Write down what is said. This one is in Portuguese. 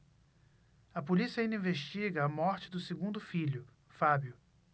a polícia ainda investiga a morte do segundo filho fábio